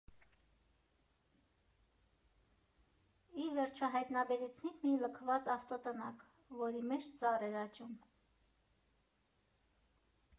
Ի վերջո, հայտնաբերեցինք մի լքված ավտոտնակ, որի մեջ ծառ էր աճում»։